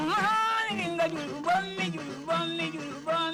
Wa kung wa